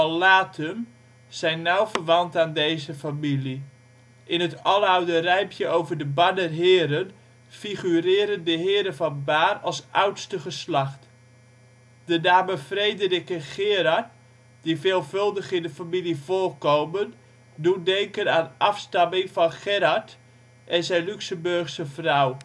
Lathem) zijn nauw verwant aan deze familie. In het aloude rijmpje over de bannerheren figureren de heren van Baer als oudste geslacht. De namen Frederik en Gerard die veelvuldig in de familie voorkomen doen denken aan afstamming van Gerhard (III) " Mosellanus " en zijn Luxemburgse vrouw